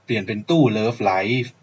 เปลี่ยนเป็นตู้เลิฟไลฟ์